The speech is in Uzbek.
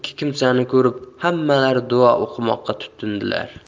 ikki kimsani ko'rib hammalari duo o'qimoqqa tutindilar